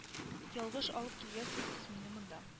Ялгыш алып килгәнсез сез мине монда